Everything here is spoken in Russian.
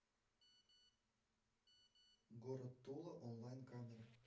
город тула онлайн камера